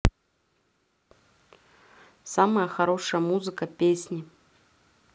самая хорошая музыка песни